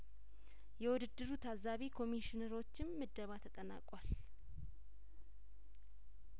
የውድድሩ ታዛቢ ኮሚሽነሮችም ምደባ ተጠናቋል